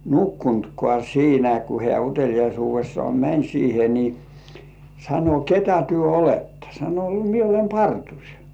nukkunutkaan siinä kun hän uteliaisuudessaan meni siihen niin sanoi ketä te olette sanoi minä olen parturi